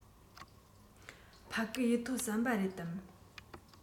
ཕ གི གཡུ ཐོག ཟམ པ རེད དམ